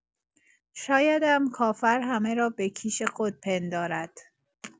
شایدم کافر همه را به کیش خود پندارد